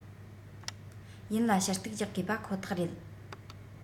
ཡིན ལ ཞུ གཏུག རྒྱག དགོས པ ཁོ ཐག རེད